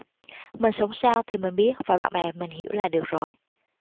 mình sống sao thì mình biết và bạn bè mình hiểu là được rồi